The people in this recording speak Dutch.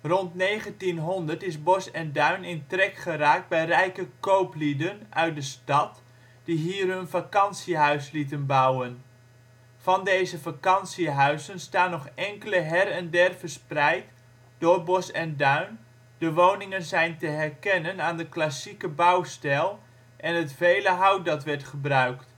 (2006). Rond 1900 is Bosch en Duin in trek geraakt bij rijke kooplieden uit de stad die hier hun vakantiehuis lieten bouwen. Van deze vakantiehuizen staan nog enkele her en der verspreid door Bosch en Duin, de woningen zijn te herkennen aan de klassieke bouwstijl en het vele hout dat werd gebruikt